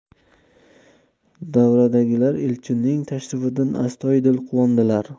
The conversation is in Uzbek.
davradagilar elchinning tashrifidan astoydil quvondilar